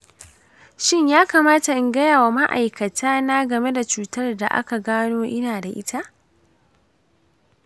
shin ya kamata in gaya wa ma’aikata na game da cutar da aka gano ina da ita?